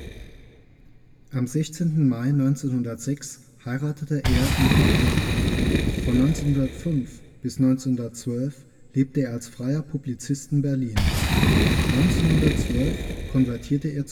Am 16. Mai 1906 heiratete er Eva Schlemmer. Von 1905 bis 1912 lebte er als freier Publizist in Berlin. 1912 konvertierte